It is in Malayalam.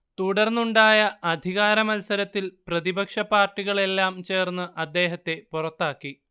തുടർന്നുണ്ടായ അധികാരമത്സരത്തിൽ പ്രതിപക്ഷ പാർട്ടികളെല്ലാം ചേർന്ന് അദ്ദേഹത്തെ പുറത്താക്കി